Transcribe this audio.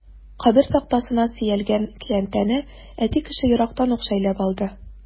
Кабер тактасына сөялгән көянтәне әти кеше ерактан ук шәйләп алды.